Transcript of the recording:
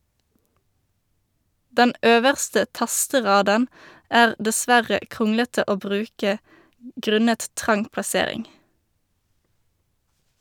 Den øverste tasteraden er dessverre kronglete å bruke grunnet trang plassering.